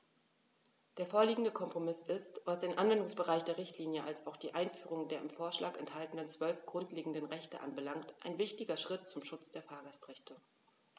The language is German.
Der vorliegende Kompromiss ist, was den Anwendungsbereich der Richtlinie als auch die Einführung der im Vorschlag enthaltenen 12 grundlegenden Rechte anbelangt, ein wichtiger Schritt zum Schutz der Fahrgastrechte.